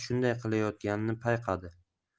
shunday qilayotganini payqadi